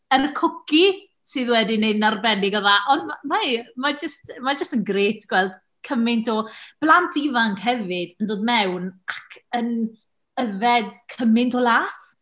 Yym, y cwci sydd wedi wneud yn arbennig o dda. Ond mae mae jyst mae jyst yn grêt gweld cymaint o blant ifanc hefyd yn dod mewn ac yn yfed cymaint o laeth.